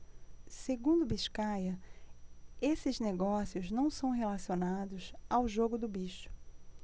segundo biscaia esses negócios não são relacionados ao jogo do bicho